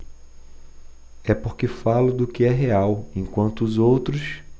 é porque falo do que é real enquanto os outros